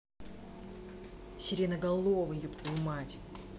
сиреноголовый еб твою мать